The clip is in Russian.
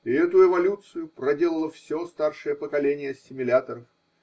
И эту эволюцию проделало все старшее поколение ассимиляторов.